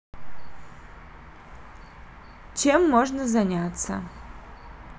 чем можно заняться